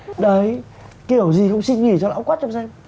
đấy kiểu gì cũng xin nghỉ cho lão quách cho mà xem